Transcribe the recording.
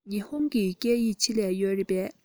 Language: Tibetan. ཉི ཧོང གི སྐད ཡིག ཆེད ལས ཡོད རེད པས